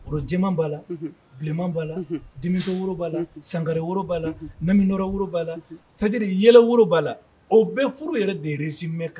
Wororo jɛ b'a la bilenman b'a la denmisɛn'a la sanga woro b'a la namiɔrɔ b'a la fajriy woro b'a la o bɛɛ furu yɛrɛ de resinmɛ kan